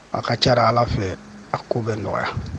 A ka ca ala fɛ a ko bɛ nɔgɔya